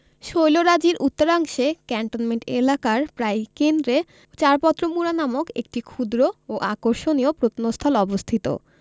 শৈলরাজির উত্তরাংশে ক্যান্টনমেন্ট এলাকার প্রায় কেন্দ্রে চারপত্র মুড়া নামক একটি ক্ষুদ্র ও আকর্ষণীয় প্রত্নস্থল অবস্থিত